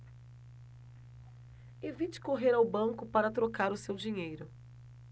evite correr ao banco para trocar o seu dinheiro